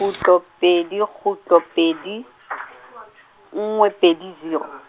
kgutlo pedi kgutlo pedi , nngwe pedi zero.